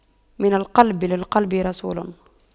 من القلب للقلب رسول